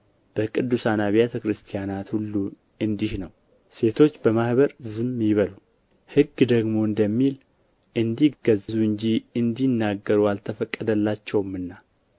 በቅዱሳንም አብያተ ክርስቲያናት ሁሉ እንዲህ ነው ሴቶች በማኅበር ዝም ይበሉ ሕግ ደግሞ እንደሚል እንዲገዙ እንጂ እንዲናገሩ አልተፈቀደላቸውምና